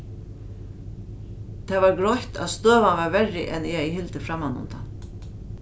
tað var greitt at støðan var verri enn eg hevði hildið frammanundan